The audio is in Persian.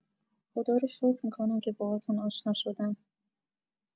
خدا رو شکر می‌کنم که باهاتون آشنا شدم